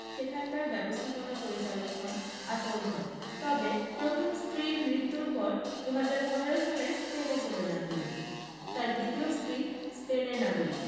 সেখানকার ব্যবস্থাপনা পরিচালক হন আতাউল হক তবে প্রথম স্ত্রীর মৃত্যুর পর ২০১৫ সালে স্পেনে চলে যান তিনি তাঁর দ্বিতীয় স্ত্রী স্পেনের নাগরিক